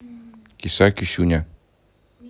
киса кисюня